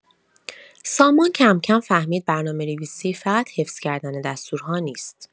سامان کم‌کم فهمید برنامه‌نویسی فقط حفظ کردن دستورها نیست.